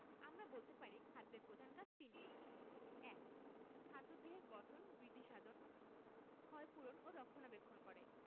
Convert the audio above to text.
আমরা বলতে পারি খাদ্যের প্রধান কাজ তিনটি ১. খাদ্য দেহের গঠন বৃদ্ধিসাধন ক্ষয়পূরণ ও রক্ষণাবেক্ষণ করে